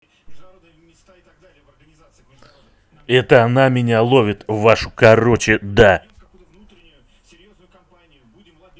это она меня ловит вашу короче да